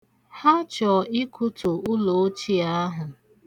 Ha chọ ịkụtu ụlọ ochie ahụ.